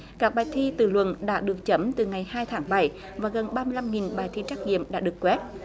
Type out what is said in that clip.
các bài thi tự luận đã được chấm từ ngày hai tháng bảy và gần ba mươi lăm nghìn bài thi trắc nghiệm đã được quét